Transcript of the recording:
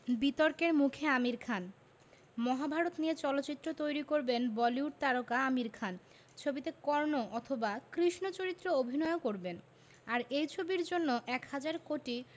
বিতর্কের মুখে আমির খান মহাভারত নিয়ে চলচ্চিত্র তৈরি করবেন বলিউড তারকা আমির খান ছবিতে কর্ণ অথবা কৃষ্ণ চরিত্রে অভিনয়ও করবেন আর এই ছবির জন্য এক হাজার কোটি